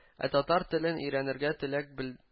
Ә татар телен өйрәнергә теләк бел